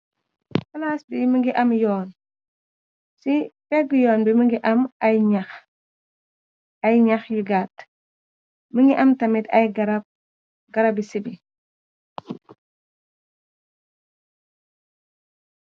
Plaas bi mi ngi am yoon, si pegg yoon bi mi ngi am ay ñax, ay ñax yu gaat, mi ngi am tamit ay garab, garab bi sibi.